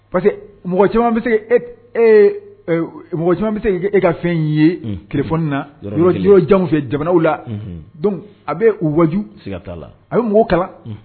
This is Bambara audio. Parce que mɔgɔ mɔgɔ bɛ se ee ka fɛn'i ye na yɔrɔ jamu fɛ jamana la don a bɛ wajuigata la a bɛ mɔgɔw kala